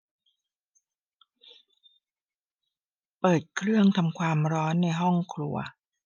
เปิดเครื่องทำความร้อนในห้องครัว